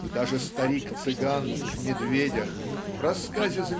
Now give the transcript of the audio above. И даже старик-цыган в "Медведях" рассказе